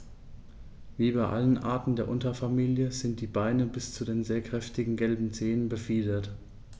Wie bei allen Arten der Unterfamilie sind die Beine bis zu den sehr kräftigen gelben Zehen befiedert.